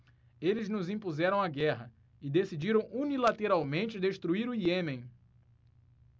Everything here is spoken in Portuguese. eles nos impuseram a guerra e decidiram unilateralmente destruir o iêmen